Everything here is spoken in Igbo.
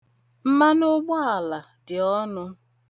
Mmanụugbaala dị ọnụ.